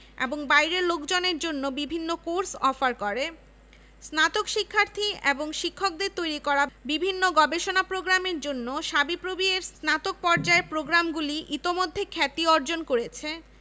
genetic engineering এবং biotechnology বিভাগ ভৌত বিজ্ঞান অনুষদে আছে পদার্থবিদ্যা রসায়ন গণিত এবং পরিসংখ্যান বিভাগ